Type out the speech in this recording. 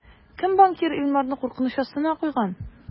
Кем банкир Илмарны куркыныч астына куйган?